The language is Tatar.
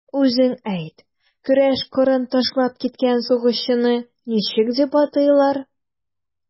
Үзең әйт, көрәш кырын ташлап киткән сугышчыны ничек дип атыйлар?